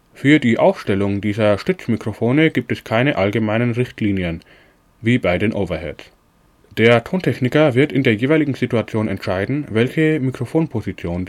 Für die Aufstellung dieser Stützmikrofone gibt es keine allgemeinen Richtlinien wie bei den Overheads. Der Tontechniker wird in der jeweiligen Situation entscheiden, welche Mikrofonposition